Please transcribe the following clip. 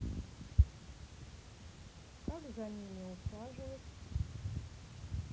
как за ними ухаживать